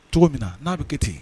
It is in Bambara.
Cogo min na n'a bɛ ke ten